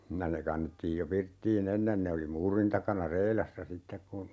ja ne kannettiin jo pirttiin ennen ne oli muurin takana reilassa sitten kun